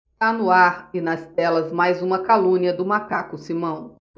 tá no ar e nas telas mais uma calúnia do macaco simão